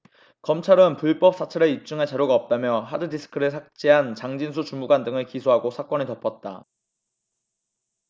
검찰은 불법 사찰을 입증할 자료가 없다며 하드디스크를 삭제한 장진수 주무관 등을 기소하고 사건을 덮었다